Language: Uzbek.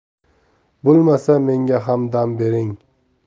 bo'lmasa menga ham dam bering